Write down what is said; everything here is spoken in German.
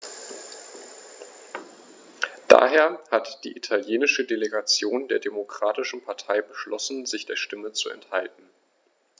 Daher hat die italienische Delegation der Demokratischen Partei beschlossen, sich der Stimme zu enthalten.